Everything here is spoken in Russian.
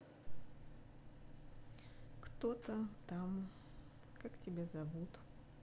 кто то там как тебя зовут